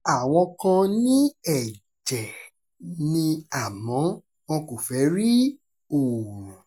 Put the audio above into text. Àwọn kan ní ẹ̀jẹ̀ ni àmọ́ wọn kò fẹ́ rí oòrùn